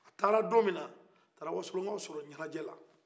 a taara don mina a taara wasolokaw sɔrɔ ɲɛnajɛ la